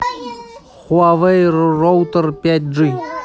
хуавей роутер пять джи